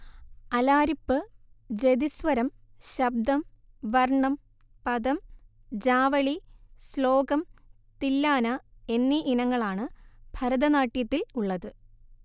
അലാരിപ്പ് ജതിസ്വരം ശബ്ദം വർണം പദം ജാവളി ശ്ലോകം തില്ലാന എന്നീ ഇനങ്ങളാണ് ഭരതനാട്യത്തിൽ ഉള്ളത്